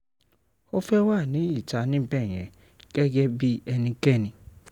Ò fẹ́ wà ní ìta níb̀ yẹn, gẹ́gẹ́ bí ẹnikẹ́ni."